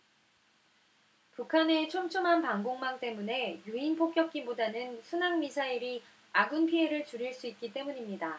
북한의 촘촘한 방공망 때문에 유인 폭격기보다는 순항미사일이 아군 피해를 줄일 수 있기 때문입니다